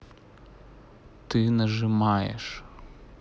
ты нажимаешь